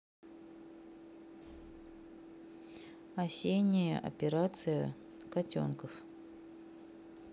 осенняя операция котенков